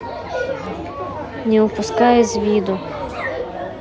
не упускай из виду